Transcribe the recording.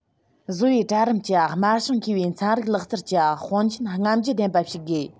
བཟོ པའི གྲལ རིམ གྱི དམར ཞིང མཁས པའི ཚན རིག ལག རྩལ གྱི དཔུང ཆེན རྔམ བརྗིད ལྡན པ ཞིག དགོས